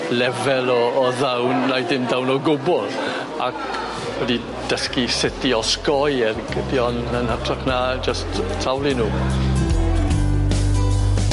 lefel o o ddawn neu dim dawn o gwbwl ac wedi dysgu sut i osgoi ergydion yn hytrach na jyst tawlu nw.